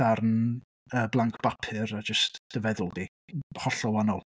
Darn yy blank o bapur a jyst dy feddwl di, hollol wahanol.